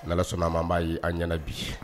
N ala sɔnna a an b'a ye an ɲɛna bi